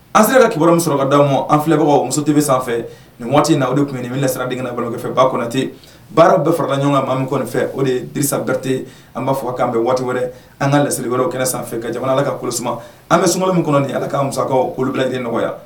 An sera ka kiba min sɔrɔka d'a ma an filɛbagaw muso tɛ bɛ sanfɛ nin waati in na de tun nin ni lasiraradiigi ka bolokɛfɛ bate baara bɛɛ farala ɲɔgɔn kan maa min fɛ o de ye disate an b'a fɔ ka kanan bɛ waati wɛrɛ an ka lasirieli wɛrɛ kɛnɛ sanfɛ ka jamanala ka kulusuma an bɛ sun min kɔnɔ ala ka masabali nɔgɔya